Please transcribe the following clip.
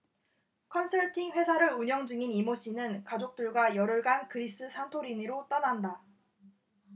컨설팅 회사를 운영 중인 이 모 씨는 가족들과 열흘간 그리스 산토리니로 떠난다